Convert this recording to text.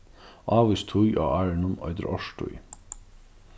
ávís tíð á árinum eitur árstíð